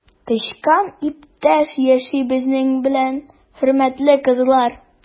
Тычкан иптәш яши безнең белән, хөрмәтле кызлар!